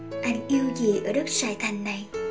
anh yêu gì ở đất sài thành này